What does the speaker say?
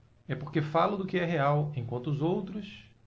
é porque falo do que é real enquanto os outros